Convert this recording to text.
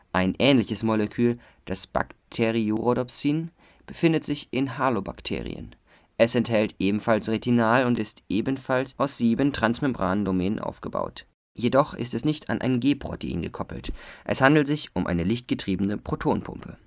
Ein ähnliches Molekül, das Bakteriorhodopsin, findet sich in Halobakterien. Es enthält ebenfalls Retinal und ist ebenfalls aus sieben Transmembran-Domänen aufgebaut. Jedoch ist es nicht an ein G-Protein gekoppelt. Es handelt sich um eine lichtgetriebene Protonenpumpe